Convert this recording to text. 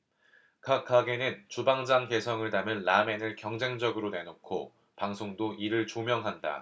각 가게는 주방장 개성을 담은 라멘을 경쟁적으로 내놓고 방송도 이를 조명한다